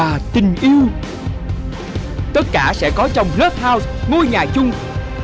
và tình yêu tất cả sẽ có trong lớp hao ngôi nhà chung